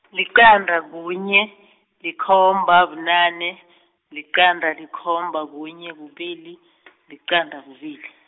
liqanda kunye, likhomba bunane , liqanda likhomba kunye kubili , liqanda kubili.